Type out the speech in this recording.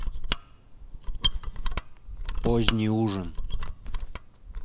поздний ужин